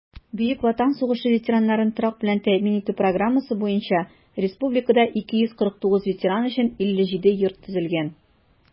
Бөек Ватан сугышы ветераннарын торак белән тәэмин итү программасы буенча республикада 249 ветеран өчен 57 йорт төзелгән.